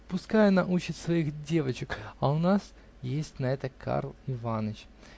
-- Пускай она учит своих девочек, а у нас есть на это Карл Иваныч".